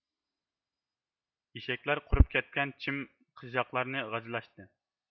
ئېشەكلەر قۇرۇپ كەتكەن چىم قىژژاقلارنى غاجىلىشاتتى